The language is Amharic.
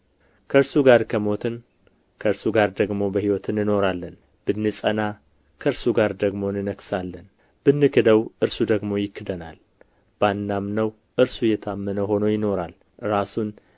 ከእርሱ ጋር ከሞትን ከእርሱ ጋር ደግሞ በሕይወት እንኖራለን ብንጸና ከእርሱ ጋር ደግሞ እንነግሣለን ብንክደው እርሱ ደግሞ ይክደናል ባናምነው እርሱ የታመነ ሆኖ ይኖራል ራሱን